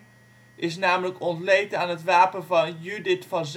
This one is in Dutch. is namelijk ontleend aan het wapen van Judith van